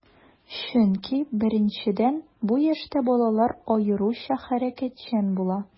Чөнки, беренчедән, бу яшьтә балалар аеруча хәрәкәтчән була.